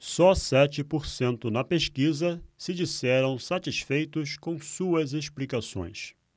só sete por cento na pesquisa se disseram satisfeitos com suas explicações